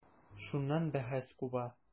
Шуннан бәхәс куба.